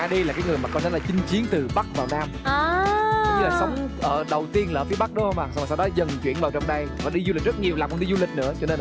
ha ri là cái người mà có lẽ là chinh chiến từ bắc vào nam sống ở đầu tiên là ở phía bắc đúng không ạ rồi sau đó dần chuyển vào trong đây và đi du lịch rất nhiều làm công ti du lịch nữa cho nên